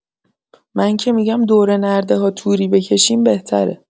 من که می‌گم دور نرده‌ها توری بکشیم بهتره.